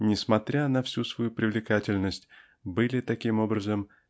несмотря на всю свою привлекательность были таким образом